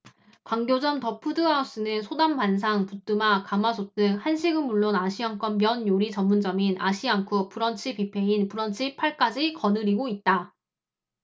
광교점 더 푸드 하우스는 소담반상 부뚜막 가마솥 등 한식은 물론 아시아권 면 요리 전문점인 아시안쿡 브런치뷔페인 브런치 팔 까지 거느리고 있다